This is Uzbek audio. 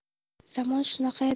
zamona shunaqa edi